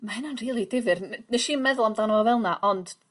Ma' hynna'n rhili difyr wne- wnes i 'im meddwl amdano fo fel 'na ond